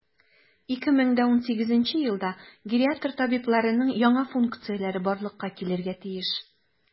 2018 елда гериатр табибларның яңа функцияләре барлыкка килергә тиеш.